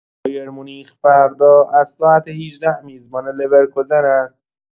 بایرن‌مونیخ فردا از ساعت ۱۸ میزبان لورکوزن است.